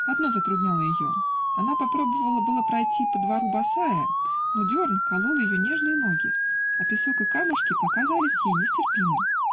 Одно затрудняло ее: она попробовала было пройти по двору босая, но дерн колол ее нежные ноги, а песок и камушки показались ей нестерпимы.